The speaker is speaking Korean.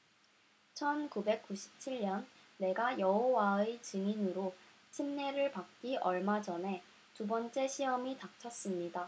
천 구백 구십 칠 년 내가 여호와의 증인으로 침례를 받기 얼마 전에 두 번째 시험이 닥쳤습니다